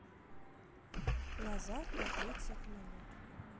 назад на тридцать минут